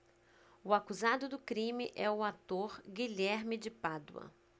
o acusado do crime é o ator guilherme de pádua